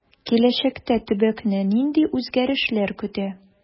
Киләчәктә төбәкне нинди үзгәрешләр көтә?